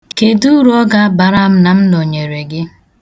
Kedu uru ọ ga-abara m na-anọnyere m gị?